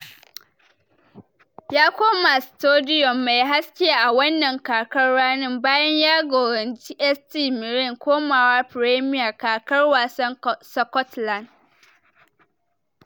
Ya koma Stadium mai Haske a wannan kakar rani bayan ya jagoranci St Mirren komawa fremiya kakar wasan Scotland.